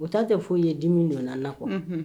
U taa tɛ foyi ye dimi donna nakɔ